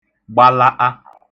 gbala'a